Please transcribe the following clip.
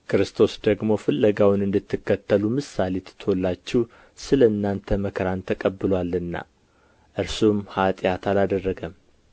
ክርስቶስ ደግሞ ፍለጋውን እንድትከተሉ ምሳሌ ትቶላችሁ ስለ እናንተ መከራን ተቀብሎአልና እርሱም ኃጢአት አላደረገም